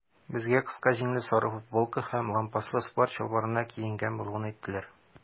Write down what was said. Безгә аның кыска җиңле сары футболка һәм лампаслы спорт чалбарына киенгән булуын әйттеләр.